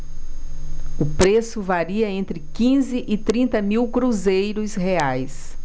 o preço varia entre quinze e trinta mil cruzeiros reais